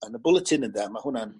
yn y bwletin ynde a ma' hwnna'n